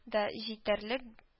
Да җитәрлек